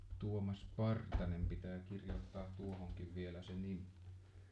Tuomas Partanen pitää - kirjoittaa tuohonkin vielä se nimi